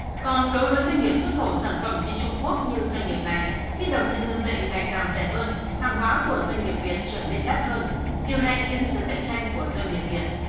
còn đối với doanh nghiệp xuất khẩu sản phẩm đi trung quốc như doanh nghiệp này khi đồng nhân dân tệ ngày càng rẻ hơn hàng hóa của doanh nghiệp việt trở nên đắt hơn điều này khiến sức cạnh tranh của doanh nghiệp việt